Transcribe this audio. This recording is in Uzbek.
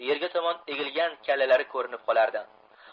yerga tomon egilgan kallalari ko'rinib qolardi